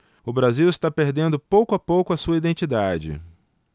o brasil está perdendo pouco a pouco a sua identidade